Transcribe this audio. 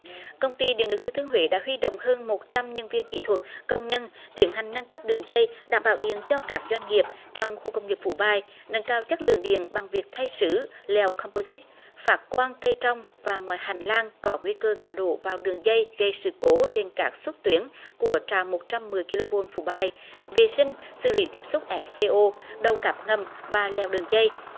công ty điện lực thừa thiên huế đã huy động hơn một trăm nhân viên kỹ thuật công nhân tiến hành nâng cấp đường dây đảm bảo điện cho các doanh nghiệp trong khu công nghiệp phú bài nâng cao chất lượng điện bằng việc thay sứ lèo com po dích phát quang cây trong và ngoài hành lang có nguy cơ ngã đổ vào đường dây gây sự cố trên các xuất tuyển của trạm một trăm mười ki lô vôn phú bài vệ sinh xử lý tiếp xúc ép xê ô đầu cáp ngầm và lèo đường dây